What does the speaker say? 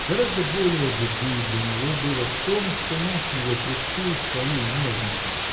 Гораздо более беды для него было в том что мать его при всей своей нежности